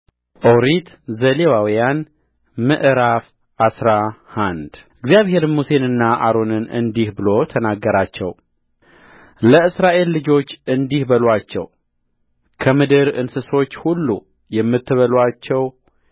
ኦሪት ዘሌዋውያን ምዕራፍ አስራ አንድ እግዚአብሔርም ሙሴንና አሮንን እንዲህ ብሎ ተናገራቸውለእስራኤል ልጆች እንዲህ በሉአቸው ከምድር እንስሶች ሁሉ የምትበሉአቸው